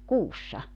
kuussa